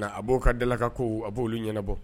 A b'o ka dalako a b'olu ɲɛnabɔ